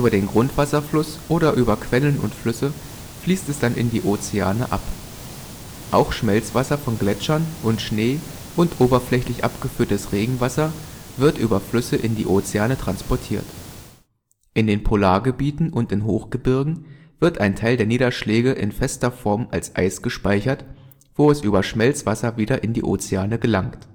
den Grundwasserfluss oder über Quellen und Flüsse fließt es dann in die Ozeane ab. Auch Schmelzwasser von Gletschern und Schnee und oberflächlich abgeführtes Regenwasser wird über Flüsse in die Ozeane transportiert. In den Polargebieten und in Hochgebirgen wird ein Teil der Niederschläge in fester Form als Eis gespeichert, wo es über Schmelzwasser wieder in die Ozeane gelangt